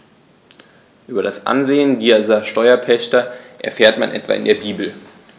Über das Ansehen dieser Steuerpächter erfährt man etwa in der Bibel.